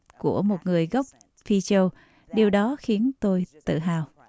của một người gốc phi châu điều đó khiến tôi tự hào